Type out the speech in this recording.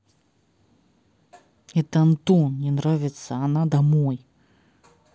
это антон не нравится она домой